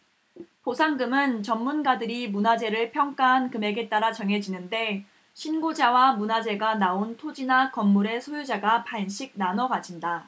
보상금은 전문가들이 문화재를 평가한 금액에 따라 정해지는데 신고자와 문화재가 나온 토지나 건물의 소유자가 반씩 나눠 가진다